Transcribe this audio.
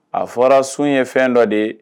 A fɔra su ye fɛn dɔ de ye